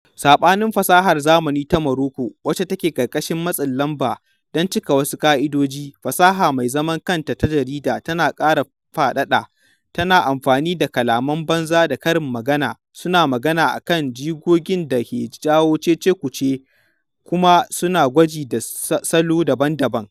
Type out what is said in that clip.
Saɓanin fasahar zamani ta Moroko, wacce take ƙarƙashin matsin lamba don cika wasu ƙa’idoji, fasaha mai zaman kanta a Darija tana ƙara faɗaɗa, tana amfani da kalaman banza da karin magana, suna magana akan jigogin da ke jawo cecekuce, kuma suna gwaji da salo daban-daban.